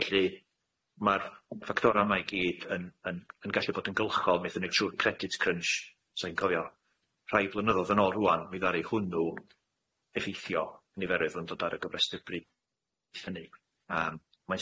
Felly ma'r ffactora ma'i gyd yn yn yn gallu bod yn gylchol methu neu' siŵr credit crunch sai'n cofio rhai blynyddo'dd yn ôl rŵan mi ddaru hwnnw effeithio niferoedd odd yn dod ar y gyfrestyr bryd hynny yym mae'n